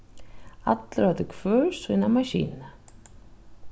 allir høvdu hvør sína maskinu